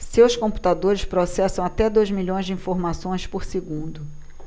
seus computadores processam até dois milhões de informações por segundo